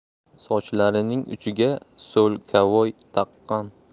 sochlarining uchiga so'lkavoy taqqan